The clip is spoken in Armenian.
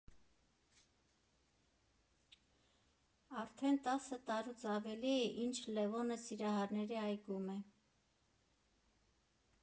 Արդեն տասը տարուց ավելի է՝ ինչ Լևոնը Սիրահարների այգում է։